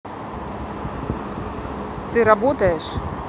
ты работаешь